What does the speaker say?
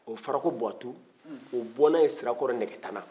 farakɔ buwatu o bɔnna ye sirakɔrɔ nɛgɛtana